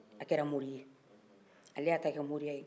a kɛra mori ye ale y'a ta kɛ moriya ye